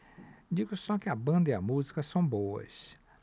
digo só que a banda e a música são boas